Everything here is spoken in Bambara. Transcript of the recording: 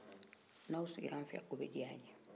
n'anw sigir'an fɛ o bɛ diɲ'an ye